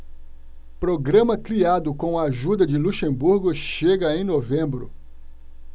programa criado com a ajuda de luxemburgo chega em novembro